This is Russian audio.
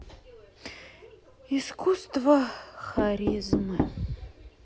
искусство харизмы